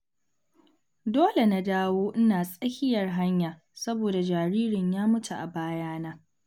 'Dole na dawo ina tsakiyar hanya saboda jaririn ya mutu a bayana''.